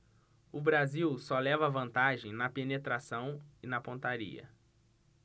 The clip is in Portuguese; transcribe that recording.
o brasil só leva vantagem na penetração e na pontaria